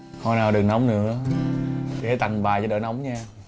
thôi nào đừng nóng nữa để tặng bài cho đỡ nóng nha